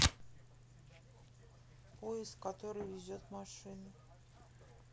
поезд который везет машины